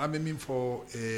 An bɛ min fɔ